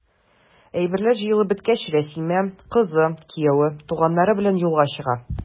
Әйберләр җыелып беткәч, Рәсимә, кызы, кияве, туганнары белән юлга чыга.